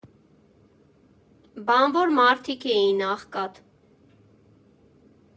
Բանվոր մարդիկ էին, աղքատ։